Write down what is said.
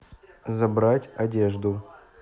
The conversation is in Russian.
забрать одежду